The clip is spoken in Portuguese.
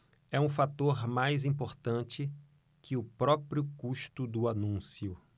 é um fator mais importante que o próprio custo do anúncio